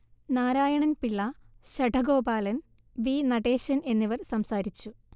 Narayanan Pillai, Sadagopalan, V Natesan എന്നിവർ സംസാരിച്ചു